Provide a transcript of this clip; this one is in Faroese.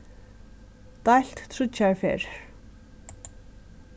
deilt tríggjar ferðir